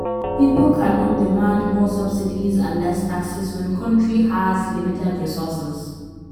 People cannot demand more subsidies and less taxes, when country has limited resources.